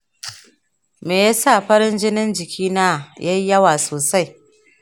me yasa farin jinin jikina ya yi yawa sosai?